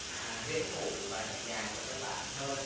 à dễ ngủ và nhẹ nhàng cho các bạn hơn